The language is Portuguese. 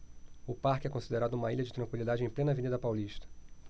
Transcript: o parque é considerado uma ilha de tranquilidade em plena avenida paulista